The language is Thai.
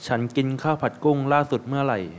ฉันกินข้าวผัดกุ้งล่าสุดเมื่อไหร่